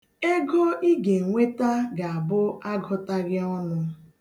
Ego ị ga-enweta ga-abụ agụtaghị onụ.